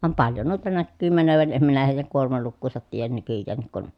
vaan paljon noita näkyy menevän en minä heidän kuormalukuansa tiedä nykyäänkin kun